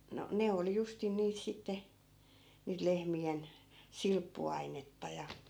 no ne oli justiin niitä sitten niitä lehmien silppuainetta ja